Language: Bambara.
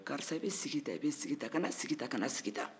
karisa i bɛ sigi tan i bɛ sigi tan kana sigi tan kana sigi tan